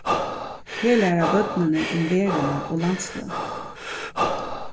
her læra børnini um verðina og landsløg